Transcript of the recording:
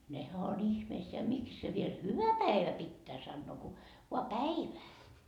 nehän on ihmeissään miksi se vielä hyvä päivä pitää sanoa kun vain päivää